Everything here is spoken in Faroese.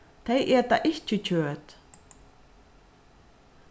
tey eta ikki kjøt